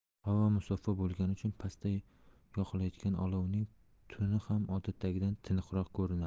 havo musaffo bo'lgani uchun pastda yoqilayotgan olovning tutuni ham odatdagidan tiniqroq ko'rinadi